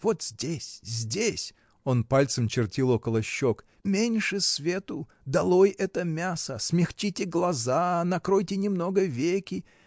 Вот здесь, здесь, — он пальцем чертил около щек, — меньше свету, долой это мясо, смягчите глаза, накройте немного веки.